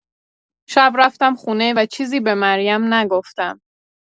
شب رفتم خونه و چیزی به مریم نگفتم.